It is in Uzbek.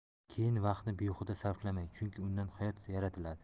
keyin vaqtni behuda sarflamang chunki undan hayot yaratiladi